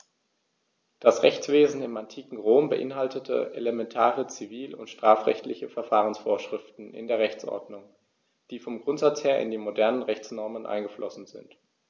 Das Rechtswesen im antiken Rom beinhaltete elementare zivil- und strafrechtliche Verfahrensvorschriften in der Rechtsordnung, die vom Grundsatz her in die modernen Rechtsnormen eingeflossen sind.